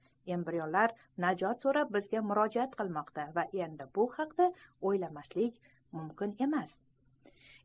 embrionlar najot so'rab bizga murojaat qilmoqda va endi bu haqda o'ylamaslik mumkin emas